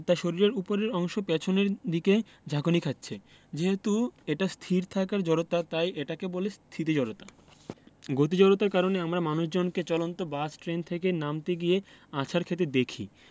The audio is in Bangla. তাই শরীরের ওপরের অংশ পেছনের দিকে ঝাঁকুনি খাচ্ছে যেহেতু এটা স্থির থাকার জড়তা তাই এটাকে বলে স্থিতি জড়তা গতি জড়তার কারণে আমরা মানুষজনকে চলন্ত বাস ট্রেন থেকে নামতে গিয়ে আছাড় খেতে দেখি